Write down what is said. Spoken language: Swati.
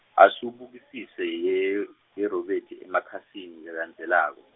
asubukisise ye- yeRobert emakhasini lalandzelako.